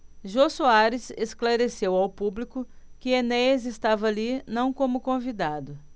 jô soares esclareceu ao público que enéas estava ali não como convidado